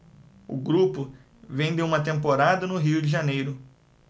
o grupo vem de uma temporada no rio de janeiro